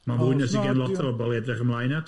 Mae'n fwy na sy' gen lot o bobl i edrych ymlaen at.